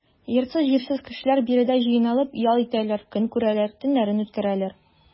Йортсыз-җирсез кешеләр биредә җыйналып ял итәләр, көн күрәләр, төннәрен үткәрәләр.